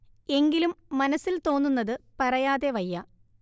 എങ്കിലും മനസ്സിൽ തോന്നുന്നത് പറയാതെ വയ്യ